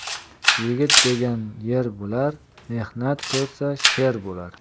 yigit degan er bo'lar mehnat ko'rsa sher bo'lar